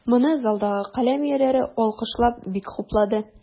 Моны залдагы каләм ияләре, алкышлап, бик хуплады.